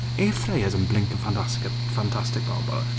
Airfryers yn blinking ffantasti- ffantastic bobl.